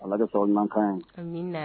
Ala bɛ fa aw mankankan ye